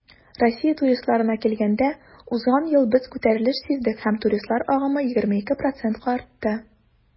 Россия туристларына килгәндә, узган ел без күтәрелеш сиздек һәм туристлар агымы 22 %-ка артты.